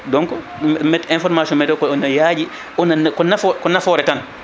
donc me information météo ko ene yaaji onoonne ko nafo ko nafoore tan